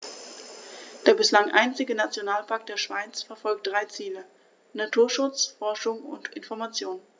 Der bislang einzige Nationalpark der Schweiz verfolgt drei Ziele: Naturschutz, Forschung und Information.